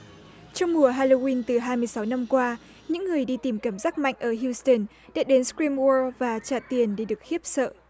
trong mùa ha lô guyn tư hai sáu năm qua những người đi tìm cảm giác mạnh ở hiu từn đã đến quyn gua và trả tiền để được khiếp sợ